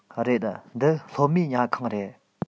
རེད འདི སློབ མའི ཉལ ཁང རེད